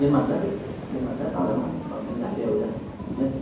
trên mặt đất ấy trên mặt đất cũng được vâng anh rải đều ra nhớ